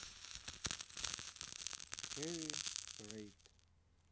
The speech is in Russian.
хеви рейд